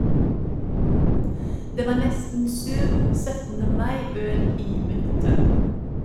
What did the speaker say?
Det var nesten syv 17. mai -øl i minuttet.